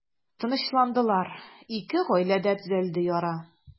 Тынычландылар, ике гаиләдә төзәлде яра.